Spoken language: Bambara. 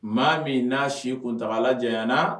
Maa min n'a si kuntaala janyana